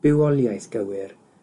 bywoliaeth gywir,